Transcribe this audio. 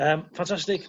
Yym ffantastig